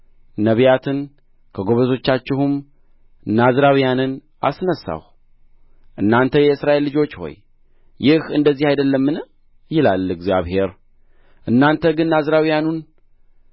ነቢያትን ከጐበዛዝቶቻችሁም ናዝራውያንን አስነሣሁ እናንተ የእስራኤል ልጆች ሆይ ይህ እንደዚህ አይደለምን ይላል እግዚአብሔር እናንተ ግን ናዝራውያኑን